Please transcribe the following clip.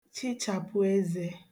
chichàpụ ezē